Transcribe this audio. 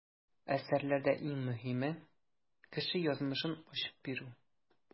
Әсәрләрдә иң мөһиме - кеше язмышын ачып бирү.